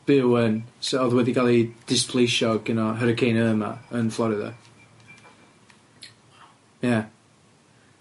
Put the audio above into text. byw yn s- o'dd wedi cga'l 'u displeisio gynno hurricane Urma yn Florida. Ie.